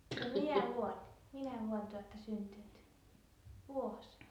ja minä vuonna minä vuonna te olette syntynyt vuosi